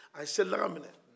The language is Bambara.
a ye seli daga minɛ